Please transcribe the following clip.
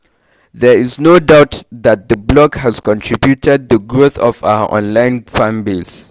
There is no doubt that the blog has contributed the growth of her online fan base.